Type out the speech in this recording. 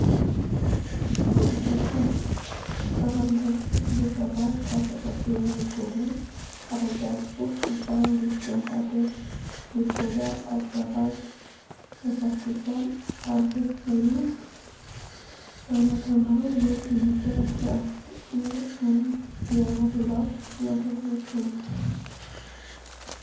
Երիտասարդ, խանդավառ զբոսավար Կատյա Բաբայանի կողմից առաջարկվող Սիսիան֊Լծեն֊Տաթև երկօրյա արշավը մշակութային արժեքներին ծանոթանալու և բնության հրաշքներով հիանալու լավ հնարավորություն է։